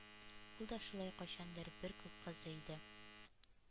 Ул да шулай кайчандыр бер күк кызы иде,